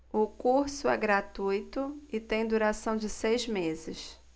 o curso é gratuito e tem a duração de seis meses